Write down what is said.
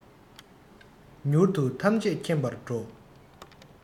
མྱུར དུ ཐམས ཅད མཁྱེན པར འགྲོ